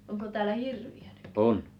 onko täällä hirviä nykyään